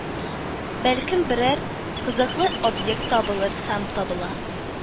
Бәлкем берәр кызыклы объект табылыр Һәм табыла